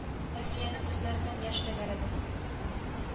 Әлфиянең күзләреннән яшь тәгәрәде